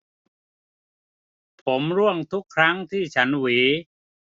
ผมร่วงทุกครั้งที่ฉันหวี